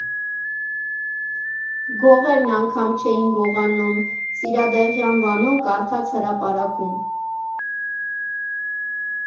Գողերն անգամ չէին գողանում, Սիրադեղյան Վանոն կարդաց հրապարակում.